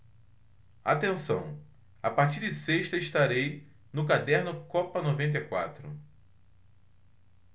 atenção a partir de sexta estarei no caderno copa noventa e quatro